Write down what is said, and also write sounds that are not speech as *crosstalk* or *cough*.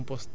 *hesitation* *hesitation*